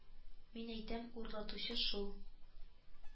Мин әйтәм ур латучы шул